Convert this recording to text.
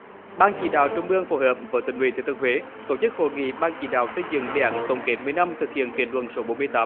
ban chỉ đạo trung ương phối hợp với tỉnh ủy thừa thiên huế tổ chức hội nghị ban chỉ đạo xây dựng đề án tổng kết mười năm thực hiện kết luận số bốn mươi tám